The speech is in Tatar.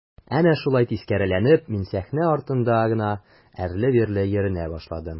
Әнә шулай тискәреләнеп мин сәхнә артында гына әрле-бирле йөренә башладым.